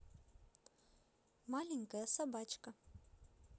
маленькая собачка